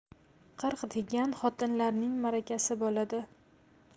qirq degan xotinlarning marakasi bo'ladi